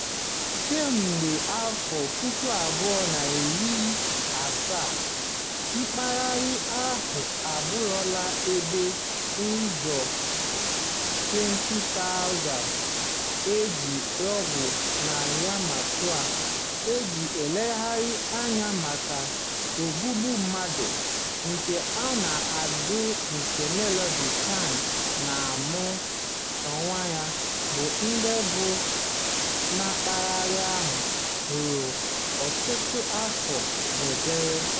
Kemgbe 2016, mpaghara ahụ abụrụla ebe "ụzọ 20,000 iji nwụọ na Yau Ma Tei", "njem nlegharị anya maka ogbugbu mmadụ" nke a na-edu nke Melody Chan na mụ onwe m, bụ ndị bi na mpaghara ahụ ruo ọtụtụ afọ wubere.